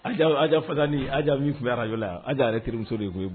Aja Aja fasanin Aja min tun bɛ arajo la yan Aja yɛrɛ terimuso de ye tun ye